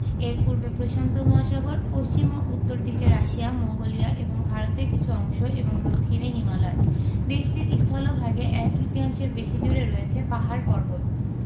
এর পূর্বে প্রশান্ত মহাসাগর পশ্চিম ও উত্তর দিকে রাশিয়া মঙ্গোলিয়া এবং ভারতের কিছু অংশ এবং দক্ষিনে হিমালয় দেশটির স্থলভাগে এক তৃতীয়াংশের বেশি জুড়ে রয়ছে পাহাড় পর্বত